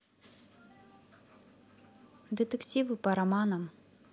детективы по романам